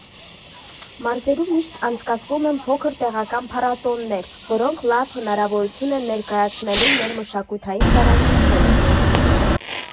Մարզերում միշտ անցկացվում են փոքր տեղական փառատոներ, որոնք լավ հնարավորություն են ներկայացնելու մեր մշակութային ժառանգությունը։